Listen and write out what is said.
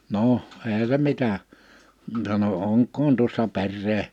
no eihän se mitä sanoi onkohan tuossa perää